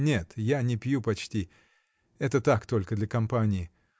— Нет — я не пью почти: это так только, для компании.